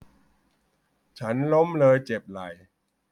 ฉันล้มเลยเจ็บไหล่